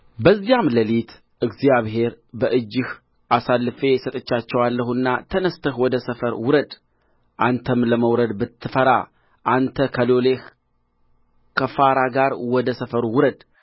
አንተም ለመውረድ ብትፈራ አንተ ከሎሌህ ከፉራ ጋር ወደ ሰፈሩ ውረድ